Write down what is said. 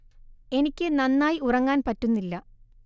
എനിക്ക് നന്നായി ഉറങ്ങാൻ പറ്റുന്നില്ല